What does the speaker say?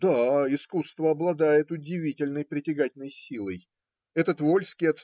Да, искусство обладает удивительной притягательной силой! Этот Вольский